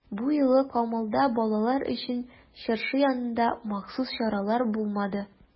Бу юлы Камалда балалар өчен чыршы янында махсус чаралар булмады.